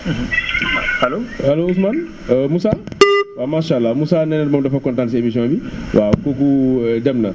a allo allo Ousmane Moussa macha allah Moussa nee na loolu dafa kontaan si émission bi waaw kooku dem n